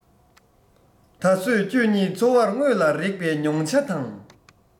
ད བཟོད ཁྱོད ཉིད ཚོར བ དངོས ལ རེག པའི མྱོང བྱང དང